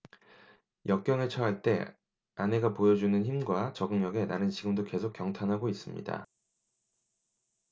역경에 처할 때 아내가 보여 주는 힘과 적응력에 나는 지금도 계속 경탄하고 있습니다